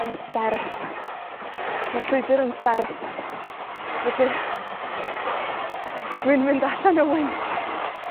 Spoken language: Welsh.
yn serth. Mae'r llwybyr yn serth, felly, dwi'n mynd allan y wynt.